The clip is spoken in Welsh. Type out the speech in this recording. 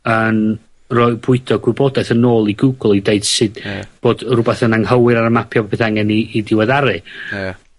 yn roi bwydo gwybodaeth yn ôl i Google i deud sud... Ie. ...bod rwbeth yn anghywir ar y mapio, bydd angen 'i 'i ddiweddaru. Ie.